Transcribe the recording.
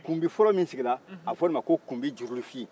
kunbi fɔlɔ min sigira a bɛ f'o de ma ko kunbi jurulifi